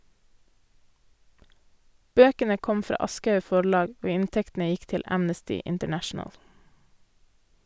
Bøkene kom fra Aschehoug Forlag, og inntektene gikk til Amnesty International.